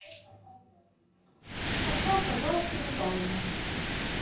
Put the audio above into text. поставь пожалуйста на паузу